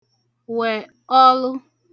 wẹ̀ ọlụ